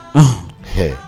Ɔnhɔn, ɛhɛɛ